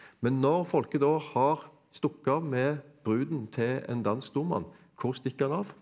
men når Folke da har stukket av med bruden til en dansk stormann hvor stikker han av?